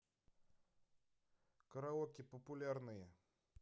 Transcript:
караоке популярные